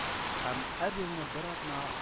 Һәм һәр елны бер атна